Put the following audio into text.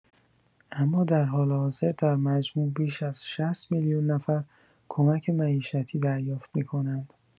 اما در حال حاضر در مجموع بیش از ۶۰ میلیون نفر کمک معیشتی دریافت می‌کنند.